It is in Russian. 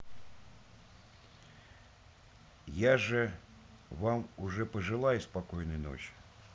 я же вам уже пожелай спокойной ночи